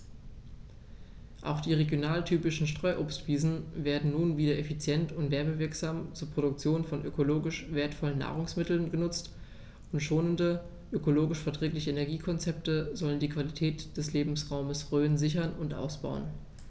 Auch die regionaltypischen Streuobstwiesen werden nun wieder effizient und werbewirksam zur Produktion von ökologisch wertvollen Nahrungsmitteln genutzt, und schonende, ökologisch verträgliche Energiekonzepte sollen die Qualität des Lebensraumes Rhön sichern und ausbauen.